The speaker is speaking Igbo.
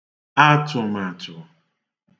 atụ̀màtụ̀